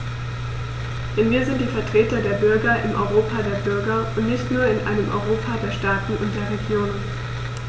Denn wir sind die Vertreter der Bürger im Europa der Bürger und nicht nur in einem Europa der Staaten und der Regionen.